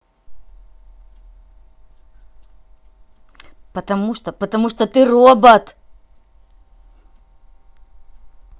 потому что потому что ты робот